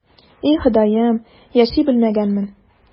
И, Ходаем, яши белмәгәнмен...